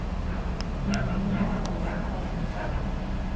Әнием дә адым саен искәртеп тора.